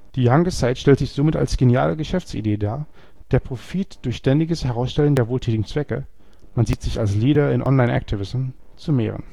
Die Hungersite stellt sich somit als geniale Geschäftsidee dar, den Profit durch ständiges Herausstellen der wohltätigen Zwecke (man sieht sich als leader in online activism) zu mehren